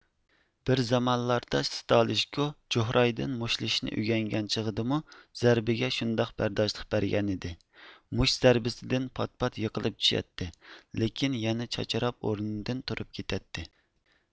بىر زامانلاردا ستالىژكو جوھرايدىن مۇشتلىشىشنى ئۆگەنگەن چېغىدىمۇ زەربىگە شۇنداق بەرداشلىق بەرگەنىدى مۇشت زەربىسىدىن پات پات يىقىلىپ چۈشەتتى لېكىن يەنە چاچراپ ئورنىدىن تۇرۇپ كېتەتتى